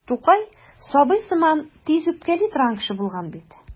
Тукай сабый сыман тиз үпкәли торган кеше булган бит.